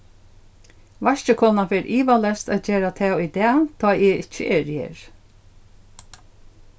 vaskikonan fer ivaleyst at gera tað í dag tá eg ikki eri her